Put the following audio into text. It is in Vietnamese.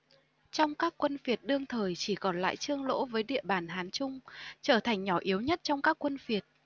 trong các quân phiệt đương thời chỉ còn lại trương lỗ với địa bàn hán trung trở thành nhỏ yếu nhất trong các quân phiệt